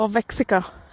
...o Fecsico